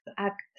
...ag